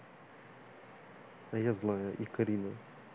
а я злая и карина